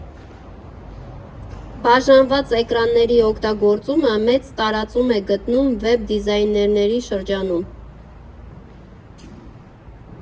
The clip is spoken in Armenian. Բաժանված էկրանների օգտագործումը մեծ տարածում է գտնում վեբ դիզայներների շրջանում։